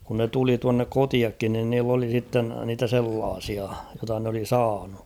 kun ne tuli tuonne kotiakin niin niillä oli sitten niitä sellaisia jota ne oli saanut